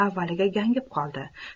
avvaliga gangib qoldi